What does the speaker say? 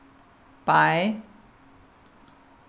bei